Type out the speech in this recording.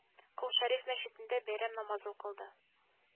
Кол шариф мәчетендә бәйрәм намазы укылды